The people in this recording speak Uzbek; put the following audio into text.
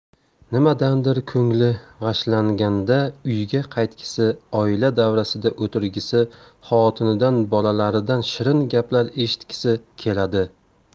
nimadandir ko'ngli g'ashlanganida uyga qaytgisi oila davrasida o'tirgisi xotinidan bolalaridan shirin gaplar eshitgisi keladi